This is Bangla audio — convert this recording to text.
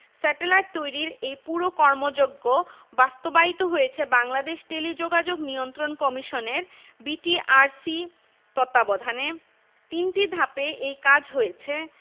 স্যাটেলাইট তৈরির এই পুরো কর্মযজ্ঞ বাস্তবায়িত হয়েছে বাংলাদেশ টেলিযোগাযোগ নিয়ন্ত্রণ কমিশনের বিটিআরসি তত্ত্বাবধানে তিনটি ধাপে এই কাজ হয়েছে